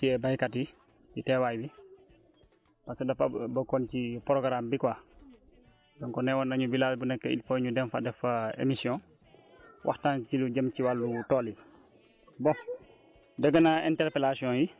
voilà directeur maa ngi lay jaajëfal di remercier béykat yi ci taawaay bi parce que dafa bokkoon ci programme bi quoi donc ne woon nañu village bu nekk il faut ñu dem fa def fa émission waxtaan ci lu jëm ci wàllu tool yi